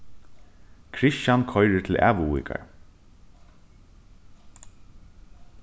kristian koyrir til æðuvíkar